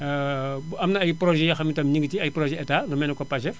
am na ay projets yoo xam ne itam ñu ngi ci ay projets Etat lu mel ni que Pagef